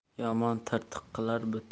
yomon tirtiq qilar